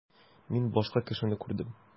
Мин башка кешене күрдем.